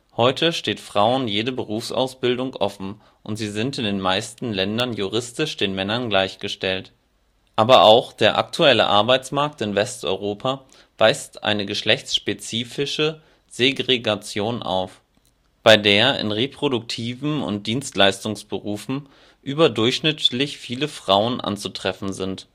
Heute steht Frauen jede Berufsausbildung offen und sie sind in den meisten Ländern juristisch den Männern gleichgestellt. Aber auch der aktuelle Arbeitsmarkt in Westeuropa weist eine geschlechtsspezifische Segregation auf, bei der in reproduktiven und Dienstleistungsberufen überdurchschnittlich viele Frauen anzutreffen sind